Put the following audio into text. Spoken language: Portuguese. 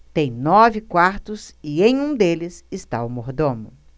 tem nove quartos e em um deles está o mordomo